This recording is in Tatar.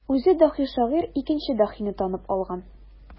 Үзе даһи шагыйрь икенче даһине танып алган.